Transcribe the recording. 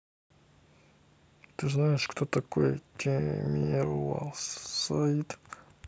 ты знаешь кто такая темирова саида